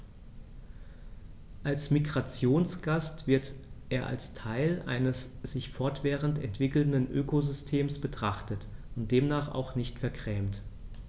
Als Migrationsgast wird er als Teil eines sich fortwährend entwickelnden Ökosystems betrachtet und demnach auch nicht vergrämt.